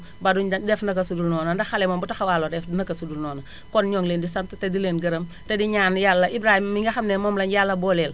ba duñ def naka sudul noonu ndax xale moom bu taxawaaloo def naka sudul noonu kon ñoo ngi leen di sant te di leen gërëm te di ñan Yàlla Ibrahima mi nga xam ne moom lañu Yàlla booleel